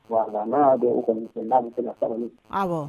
Voilà n'a y'a dɔn o kɔnni fɛ, n'a bɛ se ka sabali; Awɔ.